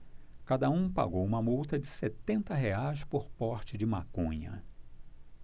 cada um pagou multa de setenta reais por porte de maconha